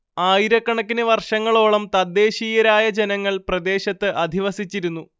ആയിരക്കണക്കിന് വർഷങ്ങളോളം തദ്ദേശീയരായ ജനങ്ങൾ പ്രദേശത്ത് അധിവസിച്ചിരുന്നു